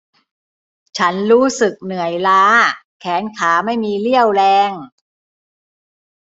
ฉันรู้สึกเหนื่อยล้าแขนขาไม่มีเรี่ยวแรง